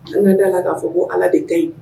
E ma d'a la k'a fɔ ko Ala de ka ɲi.